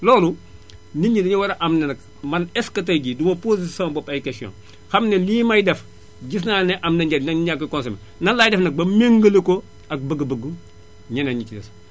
loolu nit ñi dañoo war a am ni nag man est ce que tay jii du ma posé sama bopp ay question xam ne lii may def gis naa ne am na njariñ ndax nit ñaa ngi koy consommé lan laay def nag ba méngale ko ak bëgg-bëggu ñeneen ñi ci des